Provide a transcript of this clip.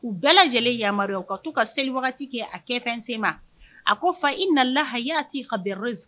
U bɛɛ lajɛlen yamaruya ka tou ka seli wagati kɛ a kɛfɛnsen ma a ko fa i nana la haya t'i hasi